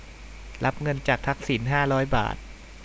รับเงินจากทักษิณห้าร้อยบาท